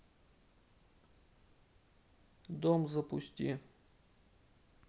дом запусти